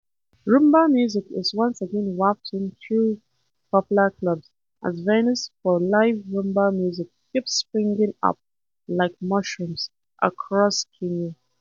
Rhumba music is once again wafting through popular clubs as venues for live Rhumba music keep springing up like mushrooms across Kenya.